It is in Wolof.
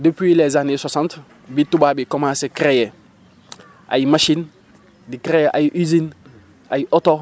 depuis les années soixante bi tubaab yi commencé créer ay machines di créer ay usines ay oto